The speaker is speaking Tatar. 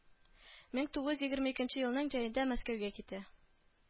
Мең тугыз егрме икенче елның җәендә мәскәүгә китә